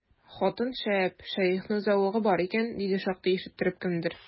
Хатын шәп, шәехнең зәвыгы бар икән, диде шактый ишеттереп кемдер.